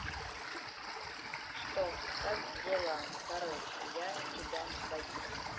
что как дела короче я тебя бросаю